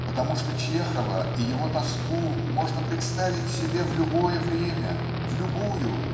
потому что Чехова и его тоску можно представить себе в любое время в любую